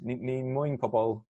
ni ni'n moyn pobol